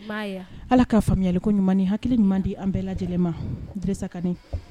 Ala ka faamuyali ko ɲuman hakili ɲuman di an bɛɛ lajɛlensa ka